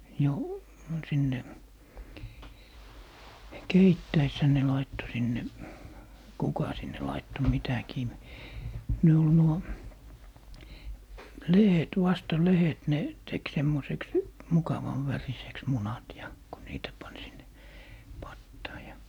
jo sinne keittäessähän ne laittoi sinne kuka sinne laittoi mitäkin ne oli nuo lehdet vasta lehdet ne teki semmoiseksi mukavan väriseksi munat ja kun niitä pani sinne pataan ja